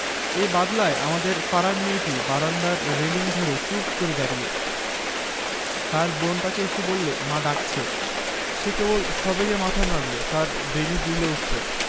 এই বাদলায় আমাদের পাড়ার মেয়েটি বারান্দায় রেলিঙ ধরে চুপ করে দাঁড়িয়ে তার বোন এসে তাকে বললে মা ডাকছে সে কেবল সবেগে মাথা নাড়ল তার বেণী দুলে উঠল